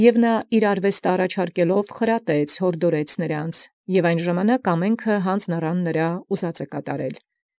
Եւ նորա զիւր արուեստն առաջի արկեալ՝ խրատէր յորդորելով. յորում և յանձն առեալ ամենեցուն զխնդրելին կատարել։